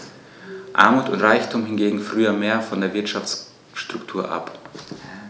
Armut und Reichtum hingen früher mehr von der Wirtschaftsstruktur ab.